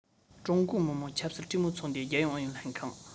ཀྲུང གོ མི དམངས ཆབ སྲིད གྲོས མོལ ཚོགས འདུའི རྒྱལ ཡོངས ཨུ ཡོན ལྷན ཁང